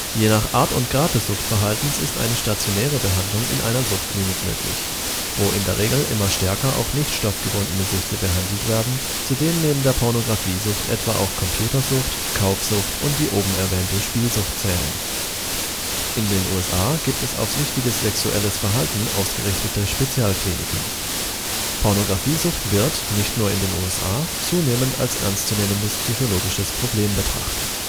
Je nach Art und Grad des Suchtverhaltens ist eine stationäre Behandlung in einer Suchtklinik möglich, wo in der Regel immer stärker auch nicht-stoffgebundene Süchte behandelt werden, zu denen neben der Pornografiesucht etwa auch Computersucht, Kaufsucht und die oben erwähnte Spielsucht zählen. In den USA gibt es auf süchtiges sexuelles Verhalten ausgerichtete Spezialkliniken. Pornografiesucht wird - nicht nur in den USA - zunehmend als ernstzunehmendes psychologisches Problem betrachtet